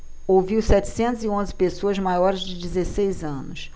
ouviu setecentos e onze pessoas maiores de dezesseis anos